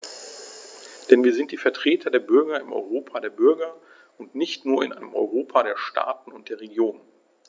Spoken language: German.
Denn wir sind die Vertreter der Bürger im Europa der Bürger und nicht nur in einem Europa der Staaten und der Regionen.